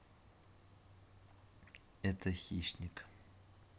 это хищник